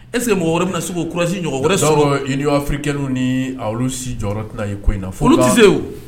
Ese mɔgɔ wɛrɛ min bɛna segukurasi wɛrɛ sɔrɔfirikɛlaw ni si jɔyɔrɔ tɛna ye ko in na fo tɛ se